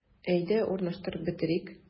Әйдә, урнаштырып бетерик.